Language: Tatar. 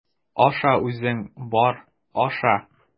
Аша үзең, бар, аша!